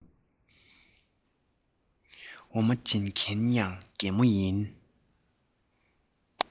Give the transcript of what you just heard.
འོ མ ལྡུད མཁན ཡང རྒན མོ ཡིན